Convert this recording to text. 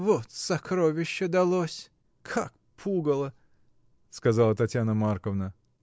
вот сокровище далось: как пугало, — сказала Татьяна Марковна.